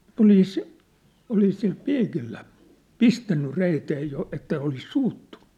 olisi olisi sillä piikillä pistänyt reiteen jo että olisi suuttunut